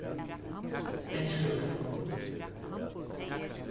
jensgøta